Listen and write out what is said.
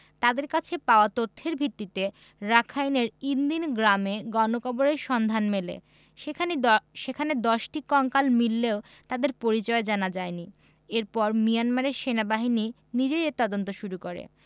তাঁদের কাছে পাওয়া তথ্যের ভিত্তিতে রাখাইনের ইন দিন গ্রামে গণকবরের সন্ধান মেলে সেখানে ১০টি কঙ্কাল মিললেও তাদের পরিচয় জানা যায়নি এরপর মিয়ানমার সেনাবাহিনী নিজেই এর তদন্ত শুরু করে